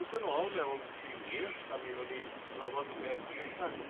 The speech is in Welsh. tyd yn ôl mewn tri mis a mi newn ni drafod y peth ymhellach.